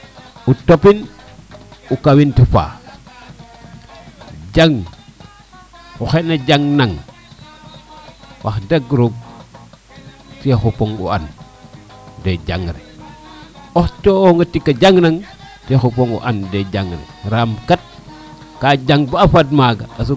o topin o kawin te faax jang oxe na jang nang wax deg roog te xupongo an te jangre oxe xupoonga o tik a jang nang te xupongo an de jang na raam kat ka janga ba a fad maga